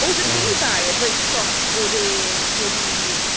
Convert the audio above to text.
Oedden ni ddau yn reit shocked bod e wedi...